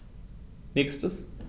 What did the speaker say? Nächstes.